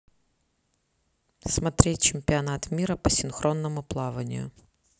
смотреть чемпионат мира по синхронному плаванию